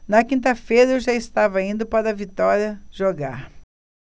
na quinta-feira eu já estava indo para vitória jogar